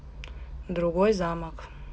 другой замок